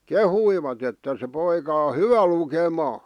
kehuivat että se poika on hyvä lukemaan